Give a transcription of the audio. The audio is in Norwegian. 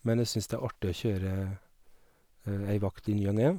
Men jeg syns det er artig å kjøre ei vakt i ny og ne.